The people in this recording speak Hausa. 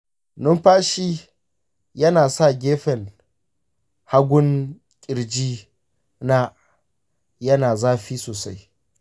numfashi yana sa gefen hagun ƙirji na yana zafi sosai